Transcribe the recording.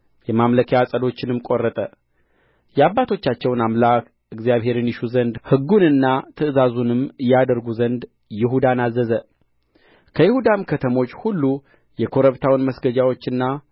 የማምለኪያ ዐፀዶቹንም ቈረጠ የአባቶቻቸውን አምላክ እግዚአብሔርን ይሹ ዘንድ ሕጉንና ትእዛዙንም ያደርጉ ዘንድ ይሁዳን አዘዘ ከይሁዳም ከተሞች ሁሉ የኮረብታውን መስገጃዎችና